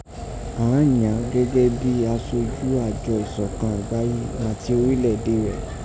Àn án yàn án gẹ́gẹ́ bí i asojú àjọ ìsòkàn àgbáyé, náti orílẹ̀ ède rẹ̀.